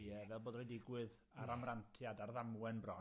Ie, fel bod o 'di digwydd ar amrantiad ar ddamwen bron...